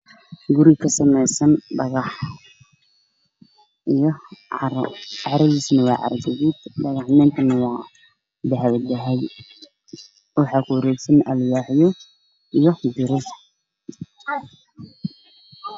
Guri ka sameysan dhagaxyo iyo caro lina carrada oo cara guduud waxaana ku wareegsan waaxyo